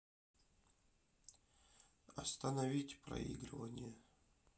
остановить проигрывание